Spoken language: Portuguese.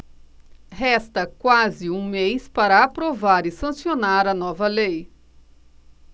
resta quase um mês para aprovar e sancionar a nova lei